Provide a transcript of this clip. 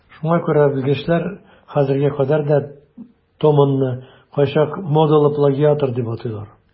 Шуңа күрә белгечләр хәзергә кадәр де Томонны кайчак модалы плагиатор дип атыйлар.